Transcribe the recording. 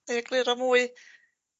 Neu egluro mwy?